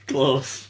Close!